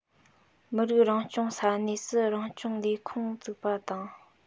མི རིགས རང སྐྱོང ས གནས སུ རང སྐྱོང ལས ཁུངས འཛུགས པ དང